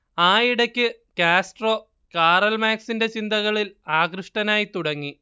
ആയിടക്ക് Castro Karl മാർക്സിന്റെ ചിന്തകളിൽ ആകൃഷ്ടനായിത്തുടങ്ങി